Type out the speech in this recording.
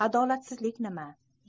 adolatsizlik nima